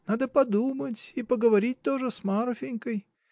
Надо подумать и поговорить тоже с Марфинькой.